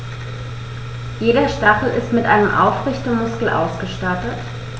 Jeder Stachel ist mit einem Aufrichtemuskel ausgestattet.